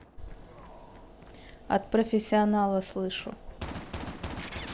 от профессионала слышу